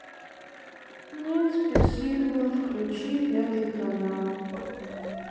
нет спасибо включи пятый канал